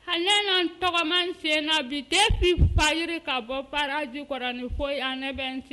A ne tɔgɔ in sen na bi den fari ka bɔ paji kɔrɔ ni fɔ ne bɛ n sen